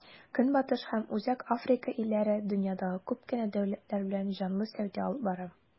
Көнбатыш һәм Үзәк Африка илләре дөньядагы күп кенә дәүләтләр белән җанлы сәүдә алып бара.